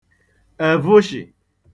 ẹ̀vụshị̀